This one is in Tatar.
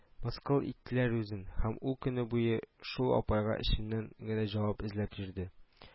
– мыскыл иттеләр үзен. һәм ул көне буе шул апайга эченнән генә җавап эзләп йөрде